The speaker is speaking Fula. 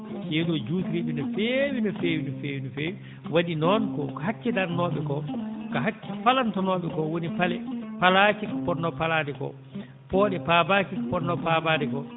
ceeɗu o juutirii ɓe no feewi no fewi no feewi no feewi waɗi noon ko hakkitannooɓe koo ko hakki ko falantonooɓe koo woni pale falaaki ko fotnoo falaade koo pooɗe paabaaki ko fotnoo faabaade koo